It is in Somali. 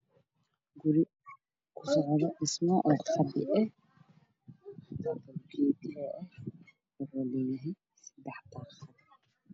Guri ku socdo dhismo oo qabyo eh geedo oo eh wuxuu lee yahay sedax daqad